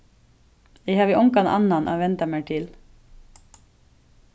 eg havi ongan annan at venda mær til